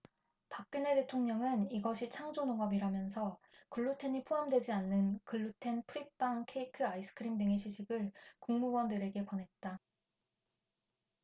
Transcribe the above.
박근헤 대통령은 이것이 창조농업이라면서 글루텐이 포함되지 않은 글루텐 프리 빵 케이크 아이스크림 등의 시식을 국무위원들에게 권했다